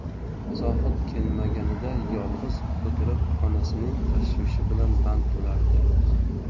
zohid kelmaganida yolg'iz o'tirib onasining tashvishi bilan band bo'lardi